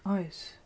Oes.